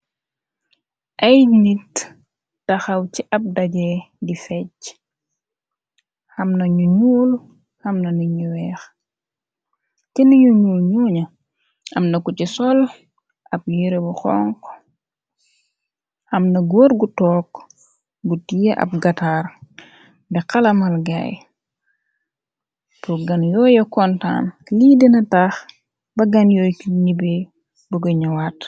Ay nit taxaw ci ab daje di fechi, am na ñu ñuul, am na nit ñu weex, ca ña nyuul nyunya amna ku ci sol ab yire bu xonxu, amna góor gu toog bu tiye ab gataar, di xalamal gaay, pur gan yooye kontaan, lii dina taax ba ganyooy su nyibe bugë ña waat.